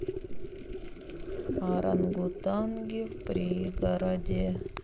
орангутанги в природе